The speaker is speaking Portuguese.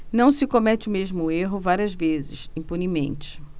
não se comete o mesmo erro várias vezes impunemente